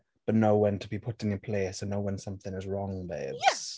but know when to be put in your place and know when something is wrong babes.